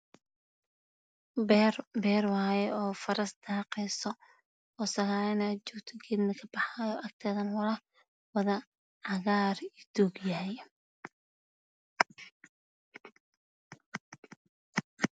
Beer waye faraas daaqayso geedna ka baxaayo agteedana wada cagaar doog yahay